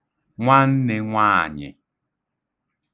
nwannē nwaànyị̀